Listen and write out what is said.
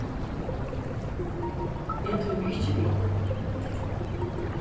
eg tími ikki við